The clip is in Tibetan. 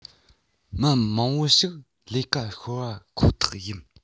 མི མང པོ ཞིག ལས ཀ ཤོར བ ཁོ ཐག ཡིན